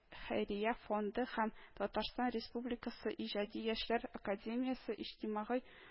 Хәйрия фонды һәм “татарстан республикасы иҗади яшьләр академиясе” иҗтимагый